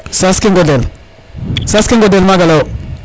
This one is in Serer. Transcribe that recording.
saas ke ŋodel saas ke ŋodel maga leyo